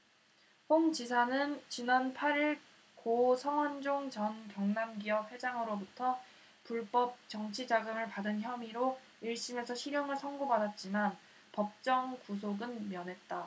홍 지사는 지난 팔 일 고 성완종 전 경남기업 회장으로부터 불법 정치자금을 받은 혐의로 일 심에서 실형을 선고받았지만 법정 구속은 면했다